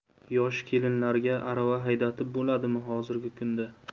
yosh kelinlarga arava haydatib bo'ladimi xozirgi kunda